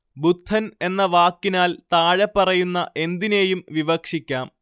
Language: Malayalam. ബുദ്ധൻ എന്ന വാക്കിനാൽ താഴെപ്പറയുന്ന എന്തിനേയും വിവക്ഷിക്കാം